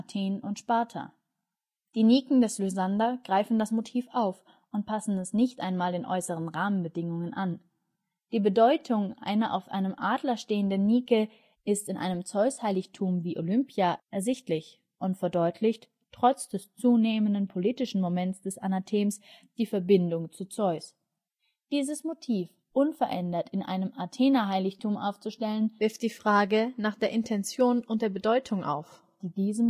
Niken des Lysander greifen das Motiv auf und passen es nicht einmal den äußeren Rahmenbedingungen an. Die Bedeutung einer auf einem Adler stehenden Nike ist in einem Zeusheiligtum wie Olympia ersichtlich und verdeutlicht – trotz des zunehmenden politischen Moments des Anathems – die Verbindung zu Zeus. Dieses Motiv unverändert in einem Athenaheiligtum aufzustellen, wirft die Frage nach der Intention und der Bedeutung auf, die diesem Motiv für die Spartaner zukam